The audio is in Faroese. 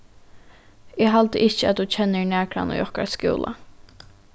eg haldi ikki at tú kennir nakran í okkara skúla